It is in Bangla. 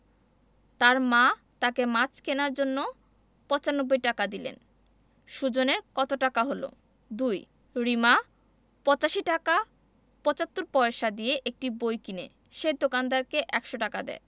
তার মা তাকে মাছ কেনার জন্য ৯৫ টাকা দিলেন সুজনের কত টাকা হলো ২ রিমা ৮৫ টাকা ৭৫ পয়সা দিয়ে একটি বই কিনে সে দোকানদারকে ১০০ টাকা দেয়